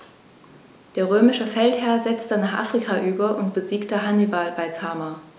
Der römische Feldherr setzte nach Afrika über und besiegte Hannibal bei Zama.